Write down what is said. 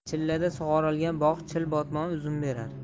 chillada sug'orilgan bog' chil botmon uzum berar